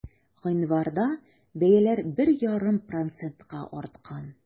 Гыйнварда бәяләр 1,5 процентка арткан.